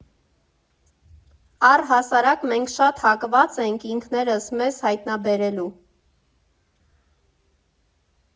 Առհասարակ, մենք շատ հակված ենք ինքներս մեզ հայտնաբերելու։